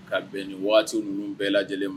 Ka bɛn nin waati ninnu bɛɛ lajɛlen ma